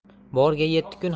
borga yetti kun